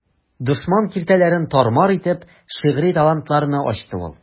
Дошман киртәләрен тар-мар итеп, шигъри талантларны ачты ул.